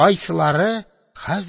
Кайсылары